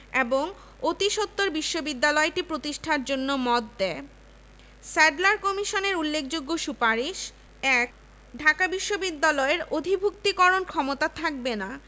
এবং অতিসত্বর বিশ্ববিদ্যালয়টি প্রতিষ্ঠার জন্য মত দেয় স্যাডলার কমিশনের উল্লেখযোগ্য সুপারিশ ১.ঢাকা বিশ্ববিদ্যালয়ের অধিভুক্তিকরণ ক্ষমতা থাকবে না